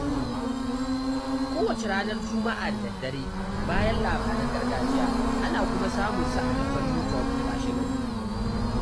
Kowace ranar Juma'a da daddare bayan labaran gargajiya, ana kuma samun sa a kafar Youtube washegari.